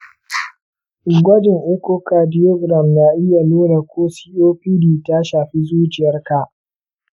gwajin echocardiogram na iya nuna ko copd ta shafi zuciyarka.